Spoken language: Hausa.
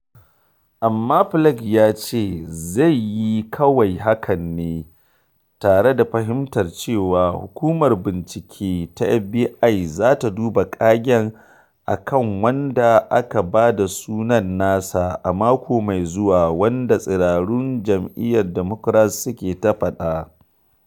Amma Flake ya ce zai yi kawai hakan ne tare da fahimtar cewa hukumar bincike ta FBI za ta duba ƙagen a kan wanda aka ba da sunan nasa a mako mai zuwa, wanda ‘yan tsiraru jam’iyyar Democrat suke ta fata.